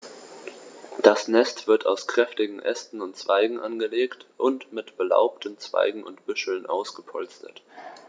Das Nest wird aus kräftigen Ästen und Zweigen angelegt und mit belaubten Zweigen und Büscheln ausgepolstert.